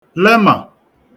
lemà